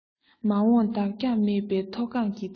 མ འོངས འདང རྒྱག མེད པའི མཐོ སྒང གི དར ལྕོག